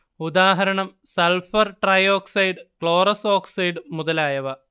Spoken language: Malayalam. ഉദാഹരണം സൾഫർ ട്രൈഓക്സൈഡ് ക്ലോറസ് ഓക്സൈഡ് മുതലായവ